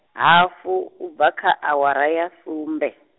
hafu u bva kha awara ya sumbe.